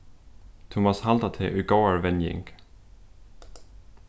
tú mást halda teg í góðari venjing